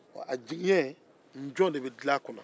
wa jigiɲɛ njɔ de bɛ dilan a kun na